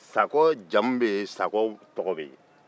sakɔ jamu bɛ ye sakɔ tɔgɔnbɛn ye